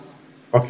ok